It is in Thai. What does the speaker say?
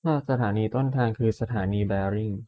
ถ้าสถานีต้นทางคือสถานีแบริ่ง